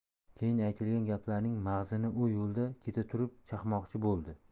keyin aytilgan gaplarning mag'zini u yo'lda ketaturib chaqmoqchi bo'ldi